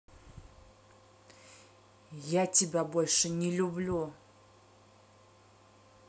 я тебя больше не люблю